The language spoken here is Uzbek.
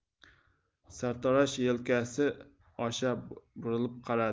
sartarosh yelkasi osha burilib qaradi